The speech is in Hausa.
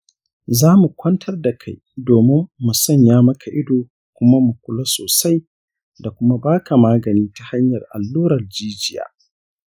za mu kwantar da kai domin mu sanya maka ido kuma mu kula sosai da kuma baka magani ta hanyar allurar jijiya.